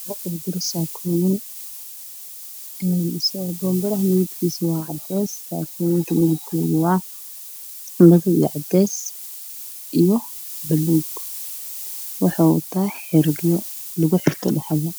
Bobilo kujiro sakoyin bobilah waa cades sakoyinka waa madow io cades io baluug io xarko dhexda lakuxirto